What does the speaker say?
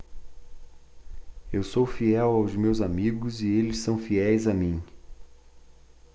eu sou fiel aos meus amigos e eles são fiéis a mim